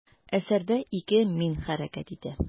Әсәрдә ике «мин» хәрәкәт итә.